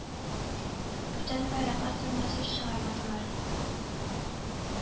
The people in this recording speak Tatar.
Бүтән байраклар турында сүз чыгармадылар